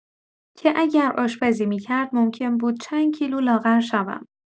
که اگر آشپزی می‌کرد ممکن بود چند کیلو لاغر شوم.